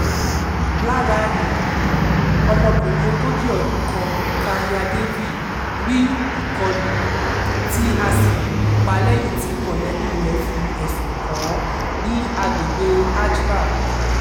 Lára èyí ni, ọmọbìnrin ogójì ọdún kan Kanya Devi rí ìkọlù tí a sì lù ú pa lẹ́yìn tí mọ̀lẹ́bíi rẹ̀ fi ẹ̀sùn kàn án ní agbègbèe Ajmer.